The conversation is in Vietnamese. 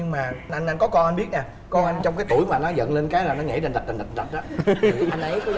nhưng mà anh anh có con anh biết nè con anh trong cái tuổi mà nó giận lên cái là nó nhảy đành đạch đành đạch đó thì anh ấy có